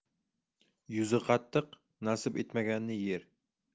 yuzi qattiq nasib etmaganni yer